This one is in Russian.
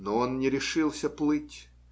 Но он не решился плыть.